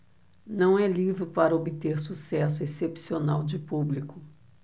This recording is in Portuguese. não é livro para obter sucesso excepcional de público